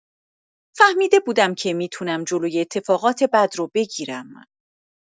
فهمیده بودم که می‌تونم جلوی اتفاقات بد رو بگیرم.